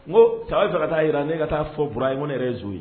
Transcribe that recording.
N ko cɛ fɛ taa jira ne ka taa fɔura ye ne yɛrɛ soo ye